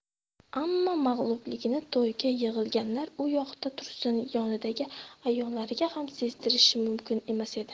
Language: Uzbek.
ammo mag'lubligini to'yga yig'ilganlar u yoqda tursin yonidagi a'yonlariga ham sezdirishi mumkin emas edi